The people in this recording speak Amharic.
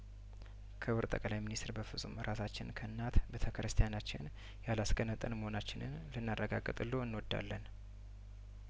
ክብር ጠቅላይ ሚንስትር በፍጹም ራሳችንን ከእናት ቤተ ክርስቲያናችን ያላስገነጠልን መሆናችንን ልናረጋግጥልዎ እንወዳለን